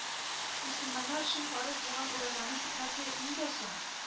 Мөселманнар өчен фарыз булган уразаның хикмәте нидә соң